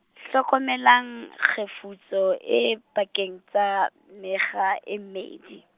hlokomelang, kgefutso, e pakeng tsa, mekga, e mmedi.